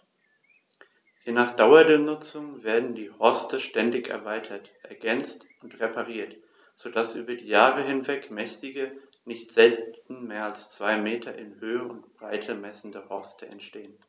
Je nach Dauer der Nutzung werden die Horste ständig erweitert, ergänzt und repariert, so dass über Jahre hinweg mächtige, nicht selten mehr als zwei Meter in Höhe und Breite messende Horste entstehen.